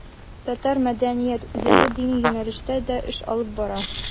Татар мәдәният үзәге дини юнәлештә дә эш алып бара.